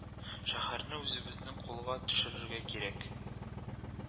Шәһәрне үзебезнең кулга төшерергә кирәк